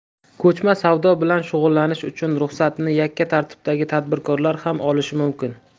ko'chma savdo bilan shug'ullanish uchun ruxsatni yakka tartibdagi tadbirkorlar ham olishi mumkin